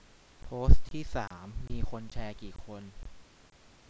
โพสต์ที่สามมีคนแชร์กี่คน